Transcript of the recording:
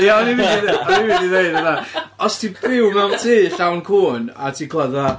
Ia, o'n i'n mynd i ddeud, on i'n mynd i ddeud hynna. Oss ti'n byw mewn tŷ llawn cŵn a ti'n clywed fatha...